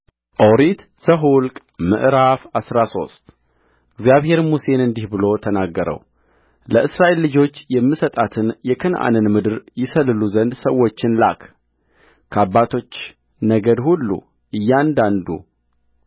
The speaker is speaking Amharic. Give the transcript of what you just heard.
ኦሪት ዘኍልቍ ምዕራፍ አስራ ሶስት እግዚአብሔርም ሙሴን እንዲህ ብሎ ተናገረውለእስራኤል ልጆች የምሰጣትን የከንዓንን ምድር ይሰልሉ ዘንድ ሰዎችን ላክ ከአባቶች ነገድ ሁሉ እያንዳንዱ